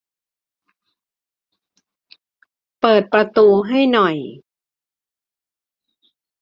เปิดประตูให้หน่อย